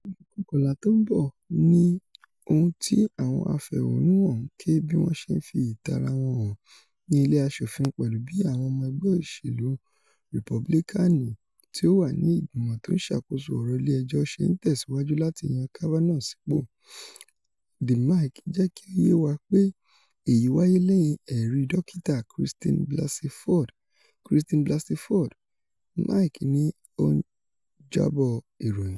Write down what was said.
Oṣù kọkànlá tó ń bọ̀! Ní ohun tí àwọn afẹ̀hónúhàn ń ké bí wọ́n ṣe fi ìtaara wọn hàn ní ilé Aṣòfin pẹ̀lú bí àwọn ọmọ ẹgbẹ́ ìṣèlú Rìpúbílíkáànì tí ó wà ní ìgbìmọ̀ tó ń ṣàkóso ọ̀rọ̀ ilé ẹjọ́ ṣe ń tẹ̀síwájú láti yan Kavanaugh sípò. The Mic jẹ́ kí ó yé wa pé èyí wáyé lẹ́yìn ẹ̀rí dọ́kítà Christine Blasey Ford. Christine Blasey Ford, Mic ní ó ń jọ́bọ̀ ìròyìn.